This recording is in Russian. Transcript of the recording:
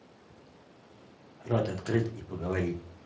рот открыть и поговорить